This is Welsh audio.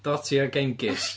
Dotty a Genghis